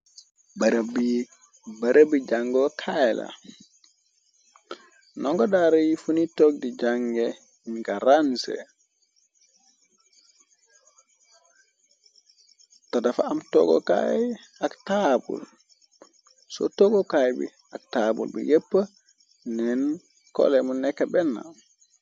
Barëb bi barëb bi jàngoo kayla ndongo daara yi fu ni tog di jànge ñnga ranse ta dafa am toggokaay ak taabul so toggokaay bi ak taabul bu yepp neen kolemu nekk benn.